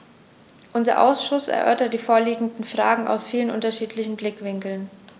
Unser Ausschuss erörtert die vorliegenden Fragen aus vielen unterschiedlichen Blickwinkeln.